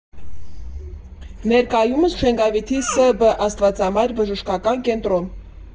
Ներկայումս Շենգավիթի Սբ. Աստվածամայր բժշկական կենտրոն։